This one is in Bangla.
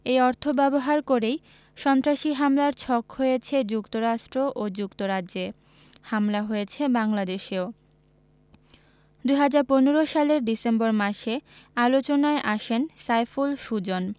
এই অর্থ ব্যবহার করেই সন্ত্রাসী হামলার ছক হয়েছে যুক্তরাষ্ট্র ও যুক্তরাজ্যে হামলা হয়েছে বাংলাদেশেও ২০১৫ সালের ডিসেম্বর মাসে আলোচনায় আসেন সাইফুল সুজন